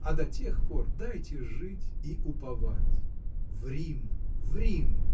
А до тех пор дайте жить и уповать! В Рим! в Рим!